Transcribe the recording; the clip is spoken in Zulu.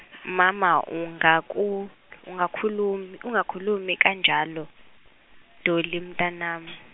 mama ungaku ungakhulumi ungakhulumi kanjalo Dolly mntanami .